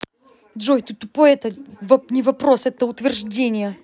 джой ты тупой это не вопрос это тверждение